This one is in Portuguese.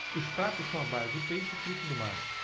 os pratos são à base de peixe e frutos do mar